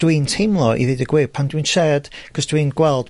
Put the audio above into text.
dwi'n teimlo, i ddeud y gwir, pan dwi'n siarad, 'c'os dwi'n gweld